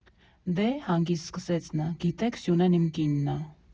֊ Դե, ֊ հանգիստ սկսեց նա, ֊ գիտեք, Սյունեն իմ կինն ա։